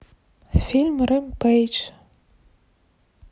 фильм ремпейдж